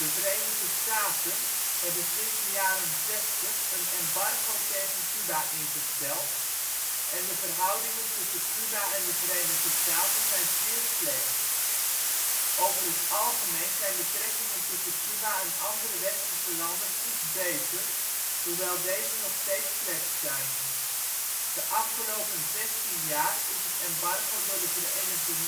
Verenigde Staten hebben sinds de jaren zestig een embargo tegen Cuba ingesteld, en de verhoudingen tussen Cuba en de Verenigde Staten zijn zeer slecht. Over het algemeen zijn betrekkingen tussen Cuba en andere westerse landen iets beter, hoewel deze nog steeds slecht zijn. De afgelopen 16 jaar is het embargo door de Verenigde Naties